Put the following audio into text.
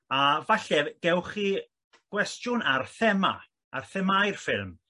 a fallai gewch chi gwestiwn ar thema ar themâu'r ffilm.